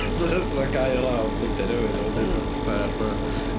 So wnaethon nhw gau o lawr, bildio un newydd a wedyn wnaeth y boi arall farw.